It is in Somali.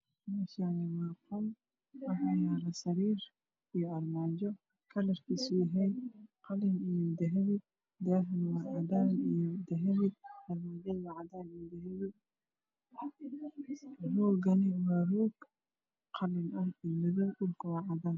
Mishaani waa qol waxaa yaalo sariir iy armaajo kalarkiisu yahay qalin iyo dahabi dahuni waa cadaan iyo dahabi armajadu waa cadaan iyo dahabi rogani waa roog qalin ah iyo madow dhulak waa cadaan